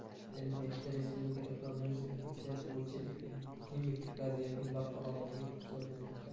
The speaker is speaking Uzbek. ayni paytda respublikada koronavirus infeksiyasi bo'yicha epidemik vaziyatning barqarorligi kuzatilmoqda